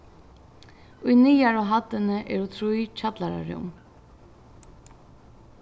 í niðaru hæddini eru trý kjallararúm